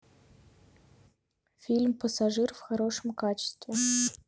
фильм пассажир в хорошем качестве